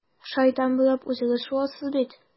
Шайтан буйлап үзегез шуасыз бит.